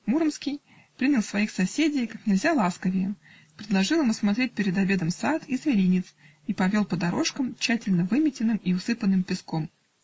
Муромский принял своих соседей как нельзя ласковее, предложил им осмотреть перед обедом сад и зверинец и повел по дорожкам, тщательно выметенным и усыпанным песком.